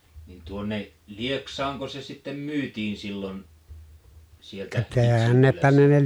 niin tuonne Lieksaanko se sitten myytiin silloin sieltä Kitsin kylästä